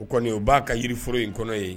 O kɔni o b'a ka yirioro in kɔnɔ ye